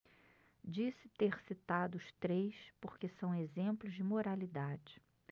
disse ter citado os três porque são exemplos de moralidade